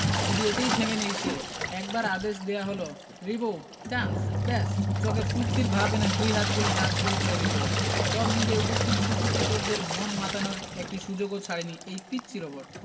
শুধু এতেই থেমে নেই সে একবার আদেশ দেওয়া হলো রিবো ড্যান্স ব্যাস চোখে ফূর্তির ভাব এনে দুই হাত তুলে নাচ শুরু করে রিবো সব মিলিয়ে উপস্থিত শিশু কিশোরদের মন মাতানোর একটি সুযোগও ছাড়েনি এই পিচ্চি রোবট